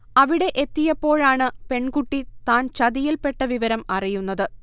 അവിടെ എത്തിയപ്പോഴാണ് പെൺകുട്ടി താൻ ചതിയിൽപ്പെട്ട വിവരം അറിയുന്നത്